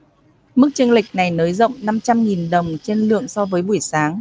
mức chênh lệch này nới rộng năm trăm nghìn đồng trên lượng so với buổi sáng